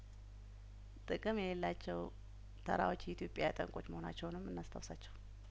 ጥቅም የሌላቸው ተራዎች የኢትዮጵያ ጠንቆች መሆናቸውንም እናስታውሳቸው